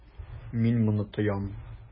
Мин моны тоям.